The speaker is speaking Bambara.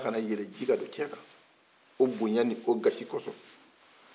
a kana yɛlɛ ji ka don cɛ kan o bonya no gasi ko sɔn